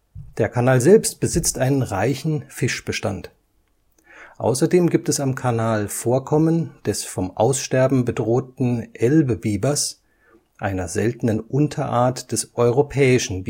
Der Kanal selbst besitzt einen reichen Fischbestand. Außerdem gibt es am Kanal Vorkommen des vom Aussterben bedrohten Elbebibers, einer seltenen Unterart des Europäischen